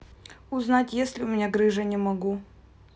узнать если у меня грыжа не могу